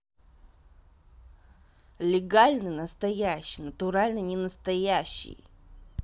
легальный настоящий натуральный не настоящий